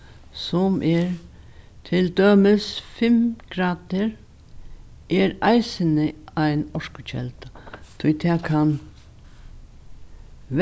sum er til dømis fimm gradir er eisini ein orkukelda tí tað kann